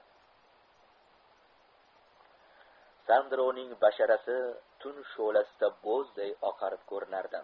sandroning basharasi tun shulasida bo'zdey oqarib ko'rinardi